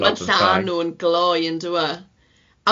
Mm, ma'n llanw'n gloi yndyw e?